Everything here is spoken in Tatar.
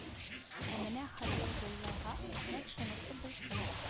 Ә менә халигуллага нәкъ шунысы булсын